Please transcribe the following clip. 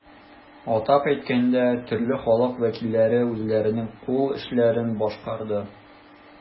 Атап әйткәндә, төрле халык вәкилләре үзләренең кул эшләрен башкарды.